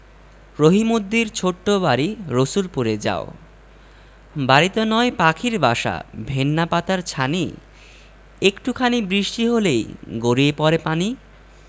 রহিমদ্দির ছোট্ট বাড়ি রসুলপুরে যাও বাড়িতো নয় পাখির বাসা ভেন্না পাতার ছানি একটু খানি বৃষ্টি হলেই গড়িয়ে পড়ে পানি